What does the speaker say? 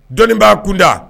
Dɔnni b'a kunda